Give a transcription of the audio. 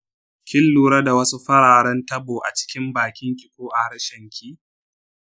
kin lura da wasu fararen tabo a cikin bakinki ko a harshenki?